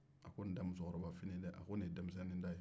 a ko nin tɛ musokɔrɔba fini ye dɛ a ko nin ye denmisɛnni ta ye